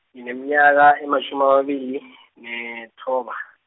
ngineminyaka ematjhumi amabili , nethoba.